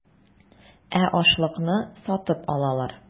Ә ашлыкны сатып алалар.